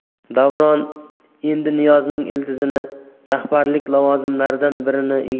davron endi niyozning ildizini rahbarlik lavozimlaridan